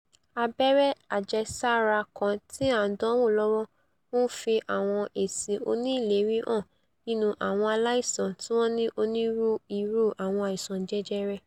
Abẹ́rẹ́ àjẹsára kan tí a ńdánwò lọ́wọ́ ńfi àwọn èsì oníìlérí hàn nínú àwọn aláìsàn tíwọ́n ní onírú-irú àwọn àìsàn jẹjẹrẹ.